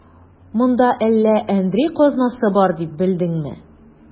Монда әллә әндри казнасы бар дип белдеңме?